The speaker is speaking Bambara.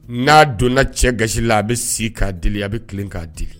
N'a donna cɛ gasi la a bɛ si k'a deli a bɛ kelen k'a deli